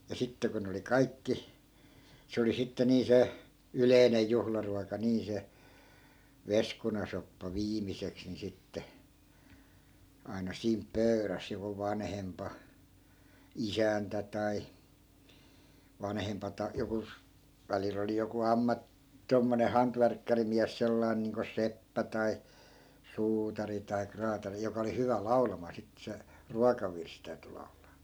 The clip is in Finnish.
ja sitten kun ne oli kaikki se oli sitten niin se yleinen juhlaruoka niin se veskunasoppa viimeiseksi niin sitten aina siinä pöydässä joku vanhempi isäntä tai vanhempi - joku välillä oli joku - tuommoinen hantvärkkärimies sellainen niin kuin seppä tai suutari tai kraatari joka oli hyvä laulamaan sitten se ruokavirsi täytyi laulaa